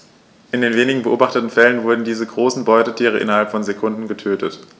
In den wenigen beobachteten Fällen wurden diese großen Beutetiere innerhalb von Sekunden getötet.